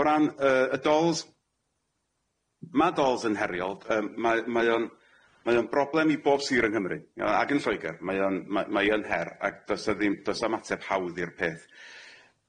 O ran yy y dolls ma' dolls yn heriol yym mae mae o'n mae o'n broblem i bob sir yng Nghymru ag yn Lloegr mae o'n ma' mae yn her ag do's o ddim do's na'm ateb hawdd i'r peth.